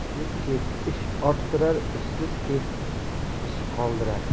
ishlik kehb ish orttirar ishsiz kehb ish qoldirar